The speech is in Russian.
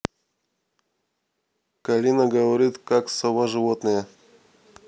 калина говорит как сова животное